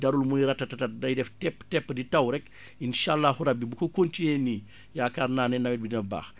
jarul muy ratatatat day def tepp-tepp di taw rekk insaa àlaaxu rabbi bu ko continuer nii yaakaar naa ne nawet bi dina baax